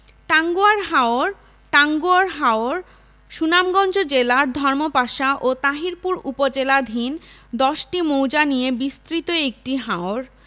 টাঙ্গুয়ার হাওর টাঙ্গুয়ার হাওর সুনামগঞ্জ জেলার ধর্মপাশা ও তাহিরপুর উপজেলাধীন ১০টি মৌজা নিয়ে বিস্তৃত একটি হাওর